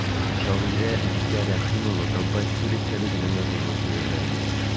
Шагыйрә Бикә Рәхимова композитор истәлегенә язылган шигырьләрен укыды.